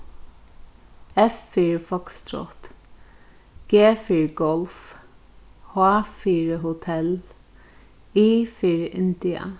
f fyri foxtrot g fyri golf h fyri hotel i fyri india